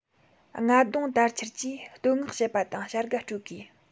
རྔ རྡུང དར འཕྱར གྱིས བསྟོད བསྔགས བྱེད པ དང བྱ དགའ སྤྲོད དགོས